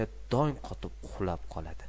dong qotib uxlab qoladi